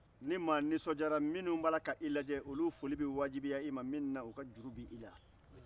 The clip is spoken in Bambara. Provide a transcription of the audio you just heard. ni maa nisɔndiyara minnu b'a la ka i lajɛ olu foli bɛ diyagya i kan min na u ka juru b'i la